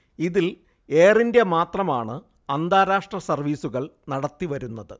ഇതിൽ Air India മാത്രമാണ് അന്താരാഷ്ട്ര സർവീസുകൾ നടത്തി വരുന്നത്